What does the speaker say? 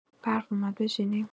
برف اومد بشینیم؟